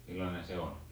millainen se on